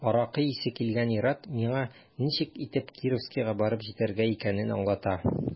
Аракы исе килгән ир-ат миңа ничек итеп Кировскига барып җитәргә икәнен аңлата.